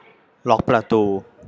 ล็อคประตู